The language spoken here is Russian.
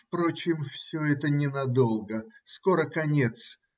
Впрочем, все это ненадолго, скоро конец.